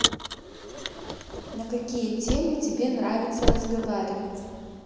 на какие темы тебе нравится разговаривать